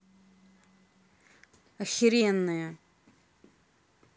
охеренные